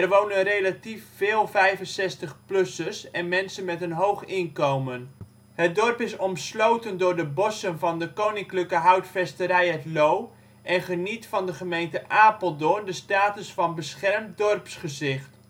wonen relatief veel 65-plussers en mensen met een hoog inkomen. Het dorp is omsloten door de bossen van de Koninklijke Houtvesterij Het Loo en geniet van de gemeente Apeldoorn de status van beschermd dorpsgezicht